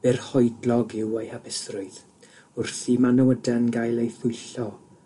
byrhoedlog yw eu hapusrwydd wrth i Manawydan gael eu thwyllo